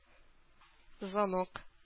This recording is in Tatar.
Звонок